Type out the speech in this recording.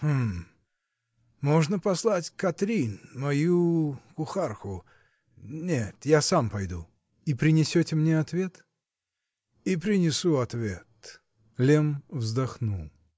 -- Гм. Можно послать Катрин, мою кухарку. Нет, я сам пойду. -- И принесете мне ответ? -- И принесу ответ. Лемм вздохнул.